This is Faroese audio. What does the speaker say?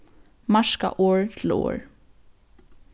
marka orð til orð